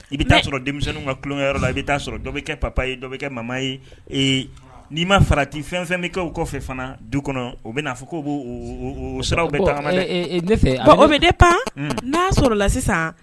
I bi taa sɔrɔ denmisɛnnin ka kulonkɛ yɔrɔ la i ba sɔrɔ dɔ bi kɛ papa ye dɔ bi kɛ maman ye. Ee ni ma farati fɛn fɛn bi kɛ o kɔfɛ fana du kɔnɔ u bi na a fɔ ku bo siraw bɛɛ tagama. Ne fɛ, o bɛ depant na sɔrɔ la min fɛ